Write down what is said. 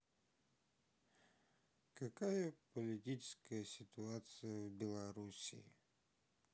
какая политическая ситуация в белоруссии